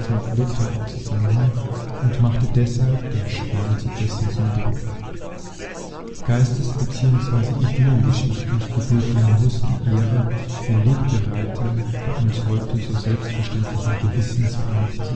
mit Luther in Zusammenhang und machten deshalb den Schwan zu dessen Symbol. Geistes - bzw. ideengeschichtlich gebührt Jan Hus die Ehre, ein Wegbereiter der uns mittlerweile so selbstverständlichen Gewissensfreiheit